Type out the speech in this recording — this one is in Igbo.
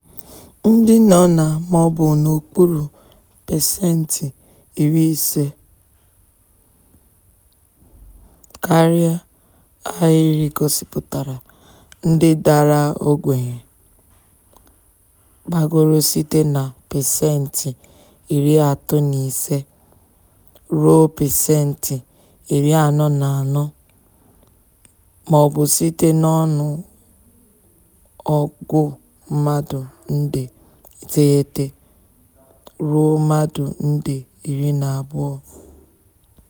Ndị nọ na maọbụ n'okpuru pesentị iri ise(50%) karịa ahịrị gosipụtara ndị dara ogbenye, gbagoro site na pesentị iri atọ na ise (35%) ruo pesentị iri anọ na anọ (44%) (maọbụ site n'ọnụ ọgụ mmadụ nde iteghete ruo mmadụ nde iri na abụọ)